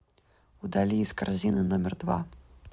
удали из корзины номер два